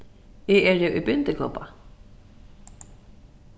eg eri í bindiklubba